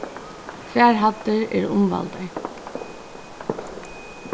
tvær hæddir eru umvældar